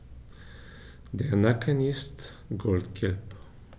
Der Nacken ist goldgelb.